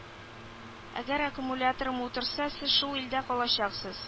Әгәр аккумуляторым утырса сез шул илдә калачаксыз